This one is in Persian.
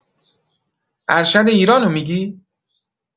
ارشد ایرانو می‌گی؟